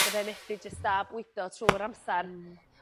byddai methu jyst a bwydo trw''r amsar. Hmm.